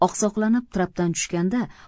oqsoqlanib trapdan tushganda